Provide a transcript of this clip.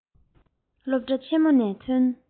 སློབ གྲྭ ཆེན མོ ནས ཐོན